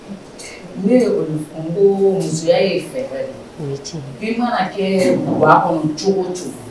Ne yo de fɔ . N ko musoya ye fɛrɛ de ye . O ye tiɲɛ ye. I ma na kɛ duguba kɔnɔ cogo o cogo